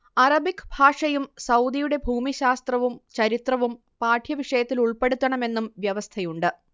Arabic ഭാഷയും സൗദിയുടെ ഭൂമിശാസ്ത്രവും ചരിത്രവും പാഠ്യവിഷയത്തിലുൾപ്പെടുത്തണമെന്നും വ്യവസ്ഥയുണ്ട്